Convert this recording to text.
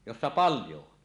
jossa paljon on